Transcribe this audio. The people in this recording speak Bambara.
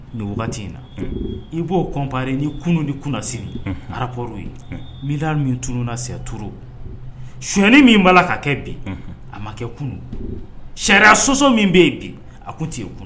Ni wagati in na i b'o kɔnpri ni kun ni kunsiri arapro ye mi min tunun sa tuururo suani min b'a la ka kɛ bi a ma kɛ kunun sariya sɔ sososɔ min bɛ yen bi a ko t' kun